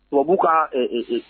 Wa b'u ka